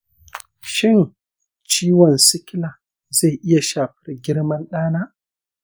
shin ciwon sikila zai iya shafar girman ɗana?